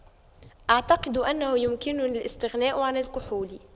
أعتقد أنه يمكنني الاستغناء عن الكحول